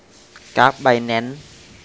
กราฟไบแนนซ์